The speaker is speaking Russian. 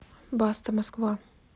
баста москва